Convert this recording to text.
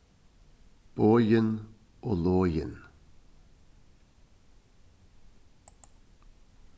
boðin og loðin